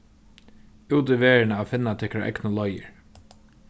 út í verðina at finna tykkara egnu leiðir